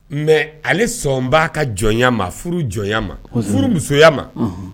Mɛ ale sɔn b'a ka jɔn ma furu jɔn ma furu musoya ma